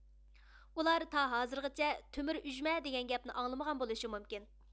ئۇلار تاھازىرغىچە تۆمۈر ئۇژمە دېگەن گەپنى ئاڭلىمىغان بولۇشى مۇمكىن